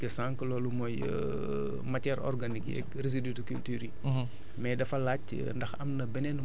bon xam nga lu ñu doon expliqué sànq loolu mooy matière organique yeeg résidus de culture yi